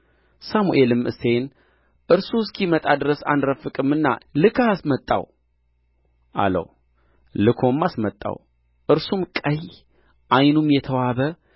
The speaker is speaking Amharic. ሳሙኤልም እሴይን እርሱ እስኪመጣ ድረስ አንረፍቅምና ልከህ አስመጣው አለው ልኮም አስመጣው እርሱም ቀይ ዓይኑም የተዋበ